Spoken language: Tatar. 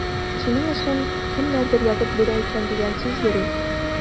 Синең өчен кемнәрдер язып бирә икән дигән сүз йөри.